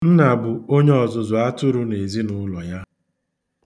Nna bụ onyeọzụzụ atụrụ n'ezinaụlọ ya.